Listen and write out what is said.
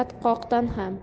o'tar qatqoqdan ham